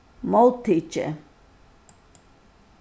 móttikið